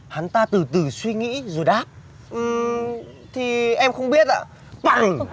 hắn ta từ từ suy nghĩ rồi đáp ừ thì em không biết ạ bằng